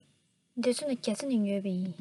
འདི ཚོ ནི རྒྱ ཚ ནས ཉོས པ ཡིན